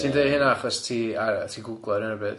Ti'n deud hynna achos ti ar yy ti'n Googleo ar hyn o bryd?